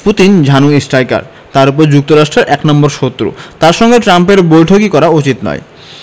Putin ঝানু striker তার ওপর যুক্তরাষ্ট্রের এক নম্বর শত্রু তাঁর সঙ্গে ট্রাম্পের বৈঠকই করা উচিত নয়